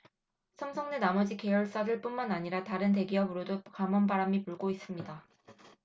삼성 내 나머지 계열사들뿐만 아니라 다른 대기업으로도 감원바람이 불고 있습니다